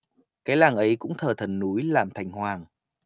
cái làng ấy cũng thờ thần núi làm thành hoàng